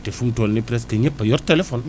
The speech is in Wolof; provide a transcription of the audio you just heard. te fi mu toll nii presque ñëpp a yor téléphone